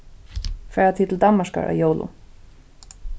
fara tit til danmarkar á jólum